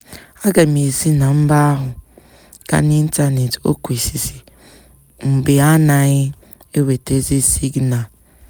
Aga m esi na mba ahụ gaa n'ịntaneet ọ kwesịsị mgbe anaghị ewetezi sịgịna.